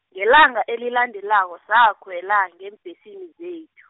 ngelanga elilandelako sakhwela, ngeembhesini zethu.